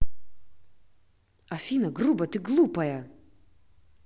афина грубо ты глупая